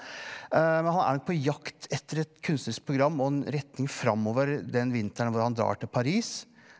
men han er nok på jakt etter et kunstnerisk program og en retning framover den vinteren hvor han drar til Paris.